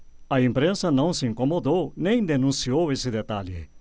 a imprensa não se incomodou nem denunciou esse detalhe